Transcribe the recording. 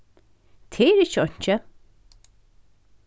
tað er ikki einki